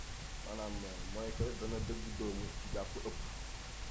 maanaam mooy que dana digg dóomu jàpp ëpp